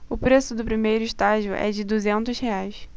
o preço do primeiro estágio é de duzentos reais